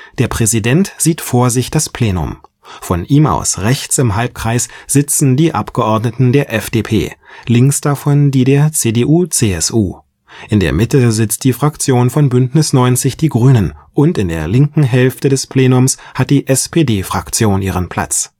Der Präsident sieht vor sich das Plenum. Von ihm aus rechts im Halbkreis sitzen die Abgeordneten der FDP, links davon die der CDU/CSU. In der Mitte sitzt die Fraktion von Bündnis 90/Die Grünen, und in der linken Hälfte des Plenums hat die SPD-Fraktion ihren Platz